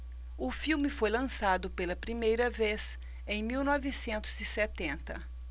o filme foi lançado pela primeira vez em mil novecentos e setenta